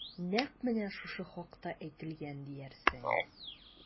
Нәкъ менә шушы хакта әйтелгән диярсең...